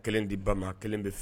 Kelen di ba ma kelen bɛ fɛ